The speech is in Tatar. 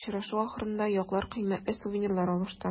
Очрашу ахырында яклар кыйммәтле сувенирлар алышты.